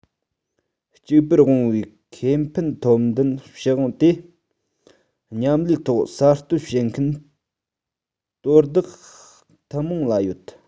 གཅིག པུར དབང བའི ཁེ ཕན ཐོབ འདུན ཞུ དབང དེ མཉམ ལས ཐོག གསར གཏོད བྱེད མཁན དོ བདག ཐུན མོང ལ ཡོད